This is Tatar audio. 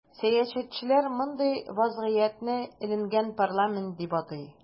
Сәясәтчеләр мондый вазгыятне “эленгән парламент” дип атый.